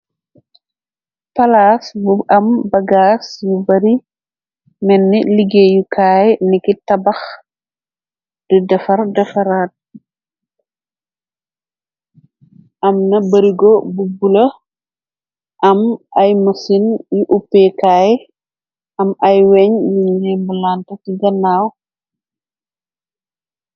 Palaas bu am bagaas yu bari menni liggéeyukaay, niki tabax di defar defaraat, am na barigo bu bula, am ay mësin yu upekaay, am ay weñ yunj lenbalante ci ganaaw.